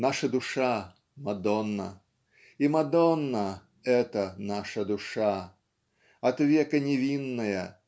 Наша душа - Мадонна, и Мадонна - это наша душа. От века невинная